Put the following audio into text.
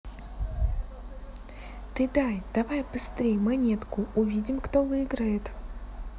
ты дай давай быстрей монетку увидим кто выиграет